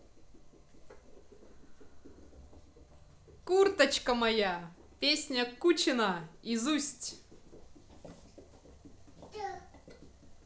курточка моя песня кучина изусть